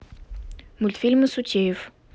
мультфильмы сутеев